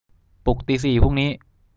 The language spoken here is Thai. ปลุกตีสี่พรุ่งนี้